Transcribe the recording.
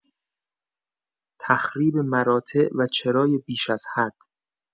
تخریب مراتع و چرای بیش از حد